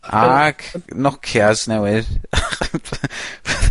ac Nokias newydd...